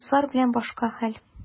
Дуслар белән башка хәл.